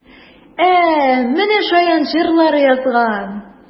Ә менә шаян җырлар язган!